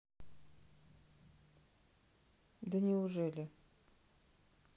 да неужели